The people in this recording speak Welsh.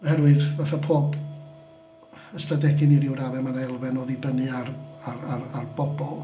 Oherwydd fatha pob ystadegyn i ryw raddau ma' 'na elfen o ddibynnu ar ar ar bobl.